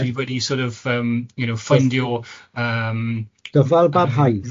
...fi wedi sort of yym you know ffaindio yym.... Dyfal barhaid.